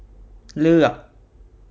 เลือก